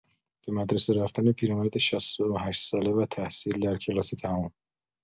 به مدرسه رفتن پیرمرد ۶۸ ساله و تحصیل در کلاس دهم.